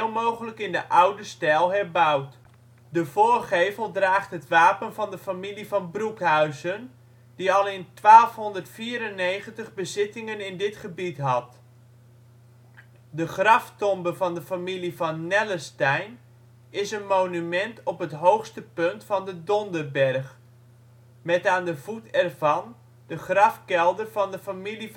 mogelijk in de oude stijl herbouwd. De voorgevel draagt het wapen van de familie van Broeckhuysen, die al in 1294 bezittingen in dit gebied had. De Graftombe van de familie van Nellesteijn is een monument op het hoogste punt van De Donderberg (36 m), met aan de voet ervan de grafkelder van de familie